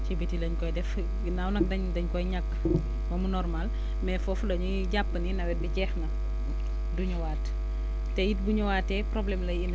ci bitti lañ koy def ginnaaw nag dañ dañ koy ñag ba mu normal mais foofu la ñuy jàpp ni nawet bi jeex na du ñëwaat te it bu ñëwaatee problème lay indi